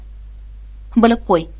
bilib qo'y